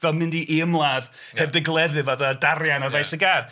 Fel mynd i i ymladd... ia. ...heb dy gleddyf a dy darian... ia. ...ar faes y gâd.